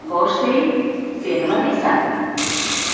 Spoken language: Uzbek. xo'sh seit sen nima deysan